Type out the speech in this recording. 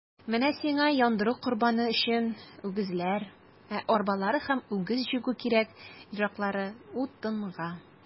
Менә сиңа яндыру корбаны өчен үгезләр, ә арбалары һәм үгез җигү кирәк-яраклары - утынга.